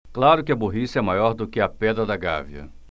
claro que a burrice é maior do que a pedra da gávea